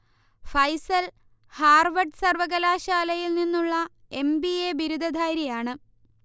Faisal Harvard സർവകലാശാലയിൽ നിന്നുള്ള M. B. A. ബിരുദധാരിയാണ്